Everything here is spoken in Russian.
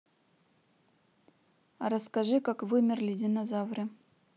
а расскажи как вымерли динозавры